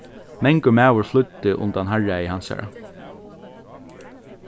mangur maður flýddi undan harðræði hansara